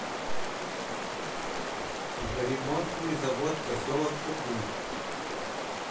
судоремонтный завод поселок кокуй